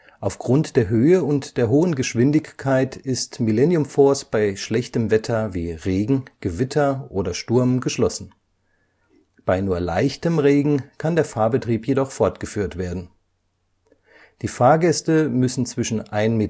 Aufgrund der Höhe und der hohen Geschwindigkeit ist Millennium Force bei schlechtem Wetter wie Regen, Gewitter oder Sturm geschlossen. Bei nur leichtem Regen kann der Fahrbetrieb jedoch fortgeführt werden. Die Fahrgäste müssen zwischen 1,20